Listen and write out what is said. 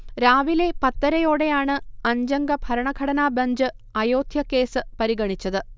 രാവിലെ പത്തരയോടെയാണ് അഞ്ചംഗ ഭരണഘടനാബഞ്ച് അയോധ്യ കേസ് പരിഗണിച്ചത്